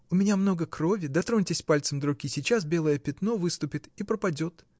У меня много крови: дотроньтесь пальцем до руки, сейчас белое пятно выступит и пропадет.